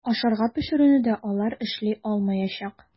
Ашарга пешерүне дә алар эшли алмаячак.